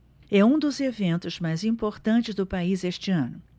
é um dos eventos mais importantes do país este ano